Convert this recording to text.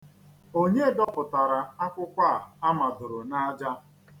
Onye dọpụtara akwụkwọ a amadoro n'aja?